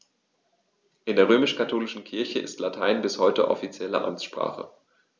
In der römisch-katholischen Kirche ist Latein bis heute offizielle Amtssprache.